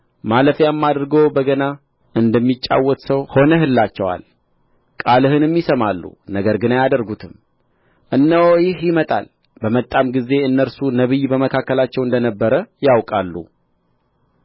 ማለፊያም አድርጎ በገና እንደሚጫወት ሰው ሆነህላቸዋል ቃልህንም ይሰማሉ ነገር ግን አያደርጉትም እነሆ ይህ ይመጣል በመጣም ጊዜ እነርሱ ነቢይ በመካከላቸው እንደ ነበረ ያውቃሉ